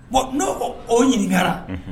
Bon n'o o ɲininkaka